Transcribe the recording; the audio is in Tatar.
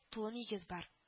Тулы нигез бар